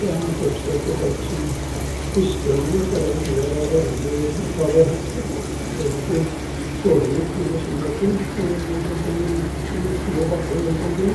Jeg har måttet oppsøke folk som husker noe fra den tida da det endelig da det egentlig foregikk noe skihopping rundt omkring i i små bakker rundt omkring.